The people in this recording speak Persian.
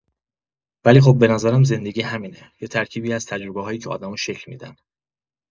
ولی خب به نظرم زندگی همینه، یه ترکیبی از تجربه‌هایی که آدمو شکل می‌دن.